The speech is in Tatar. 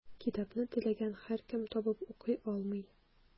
Китапны теләгән һәркем табып укый алмый.